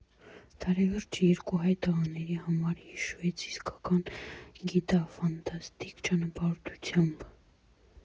Տարեվերջը երկու հայ տղաների համար հիշվեց իսկական գիտաֆանտաստիկ ճանապարհորդությամբ։